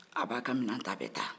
a b'a ka minan ta a bɛ taa